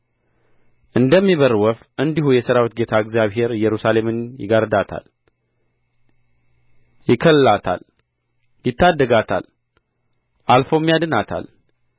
እንደሚበርር ወፍ እንዲሁ የሠራዊት ጌታ እግዚአብሔር ኢየሩሳሌምን ይጋርዳታል ይከልላታል ይታደጋታል አልፎም ያድናታል